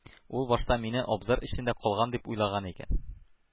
Ул башта мине абзар эчендә калган дип уйлаган икән.